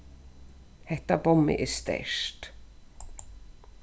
hetta bommið er sterkt